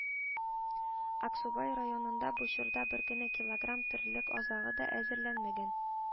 Аксубай районында бу чорда бер генә килограмм терлек азыгы да әзерләнмәгән